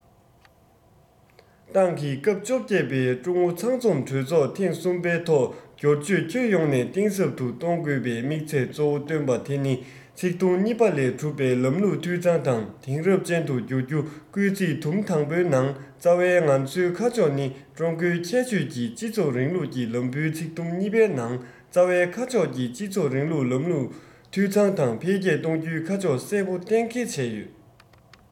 ཏང གི སྐབས བཅོ བརྒྱད པའི ཀྲུང ཨུ ཚང འཛོམས གྲོས ཚོགས ཐེངས གསུམ པའི ཐོག སྒྱུར བཅོས ཁྱོན ཡོངས ནས གཏིང ཟབ ཏུ གཏོང དགོས པའི དམིགས ཚད གཙོ བོ བཏོན པ དེ ནི ཚིག དུམ གཉིས ལས གྲུབ པའི ལམ ལུགས འཐུས ཚང དང དེང རབས ཅན དུ འགྱུར རྒྱུར སྐུལ ཚིག དུམ དང པོའི ནང རྩ བའི ང ཚོའི ཁ ཕྱོགས ནི ཀྲུང གོའི ཁྱད ཆོས ཀྱི སྤྱི ཚོགས རིང ལུགས ཀྱི ལམ བུའི ཚིག དུམ གཉིས པའི ནང རྩ བའི ཁ ཕྱོགས ཀྱི སྤྱི ཚོགས རིང ལུགས ལམ ལུགས འཐུས ཚང དང འཕེལ རྒྱས གཏོང རྒྱུའི ཁ ཕྱོགས གསལ པོ གཏན འཁེལ བྱས ཡོད